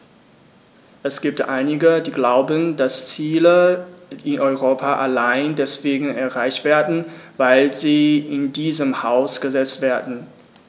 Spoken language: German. Es gibt einige, die glauben, dass Ziele in Europa allein deswegen erreicht werden, weil sie in diesem Haus gesetzt werden.